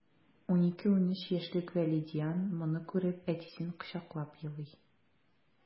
12-13 яшьлек вәлидиан моны күреп, әтисен кочаклап елый...